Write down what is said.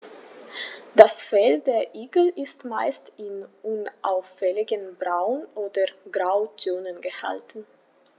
Das Fell der Igel ist meist in unauffälligen Braun- oder Grautönen gehalten.